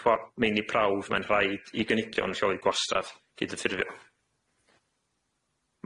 pro- meini prawf mae'n rhaid i gynigion lleoli gwastraff gydymffurfio.